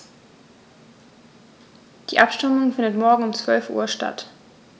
Die Abstimmung findet morgen um 12.00 Uhr statt.